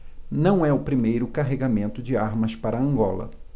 não é o primeiro carregamento de armas para angola